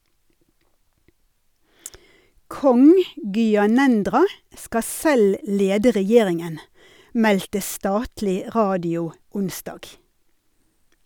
Kong Gyanendra skal selv lede regjeringen, meldte statlig radio onsdag.